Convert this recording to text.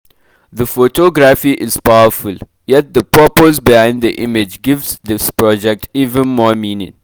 “The photography is powerful, yet the purpose behind the images gives this project even more meaning.